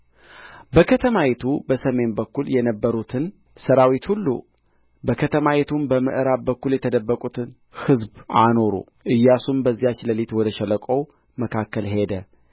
በከተማይቱ በሰሜን በኩል የነበሩትን ሠራዊት ሁሉ በከተማይቱም በምዕራብ በኩል የተደበቁትን ሕዝብ አኖሩ ኢያሱም በዚያች ሌሊት ወደ ሸለቆው መካከል ሄደ